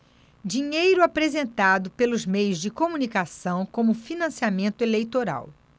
dinheiro apresentado pelos meios de comunicação como financiamento eleitoral